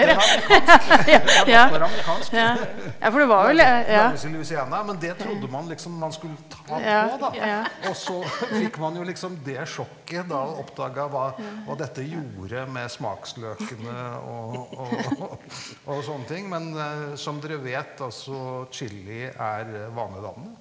Tabasco er amerikansk lages i Louisiana, men det trodde man liksom man skulle ta det på da og så fikk man jo liksom det sjokket da og oppdaga hva hva dette gjorde med smaksløkene og og og og sånne ting, men som dere vet altså chili er vanedannende.